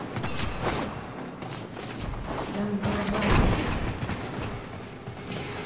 там взорвали